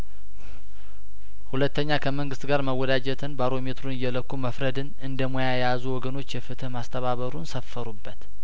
ሁለተኛ ከመንግስት ጋር መወዳጀትን ባሮ ሜትሩን እየለኩ መፍረድን እንደሙያ የያዙ ወገኖች የፍትህ ማስተናበሩን ሰፈሩበት